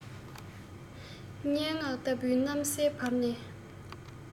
སྙན ངག ལྟ བུའི གནམ སའི བར ནས